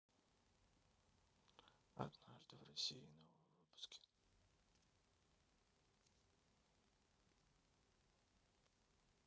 однажды в россии новые выпуски